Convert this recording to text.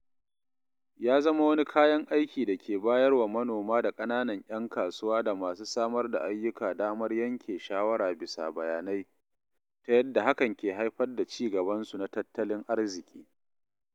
Ya zama wani kayan aiki da ke bayar wa manoma da ƙananan ‘yan kasuwa da masu samar da ayyuka damar yanke shawara bisa bayanai, ta yadda hakan ke haifar da cigabansu na tattalin arziƙi.